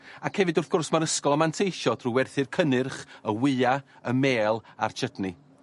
Ac hefyd wrth gwrs ma'r ysgol a manteisio drw werthu'r cynnyrch y wya y mêl a'r chutney.